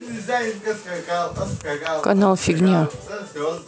канал фигня